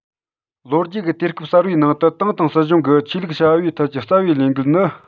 ལོ རྒྱུས ཀྱི དུས སྐབས གསར བའི ནང དུ ཏང དང སྲིད གཞུང གི ཆོས ལུགས བྱ བའི ཐད ཀྱི རྩ བའི ལས འགུལ ནི